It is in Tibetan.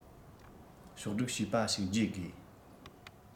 ཕྱོགས བསྒྲིགས བྱས པ ཞིག བརྗེ དགོས